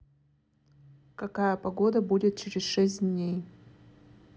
какая погода будет через шесть дней